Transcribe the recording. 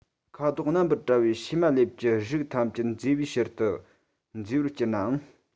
ཁ དོག རྣམ པར བཀྲ བའི ཕྱེ མ ལེབ ཀྱི རིགས ཐམས ཅད མཛེས པའི ཕྱིར དུ མཛེས པོར གྱུར ནའང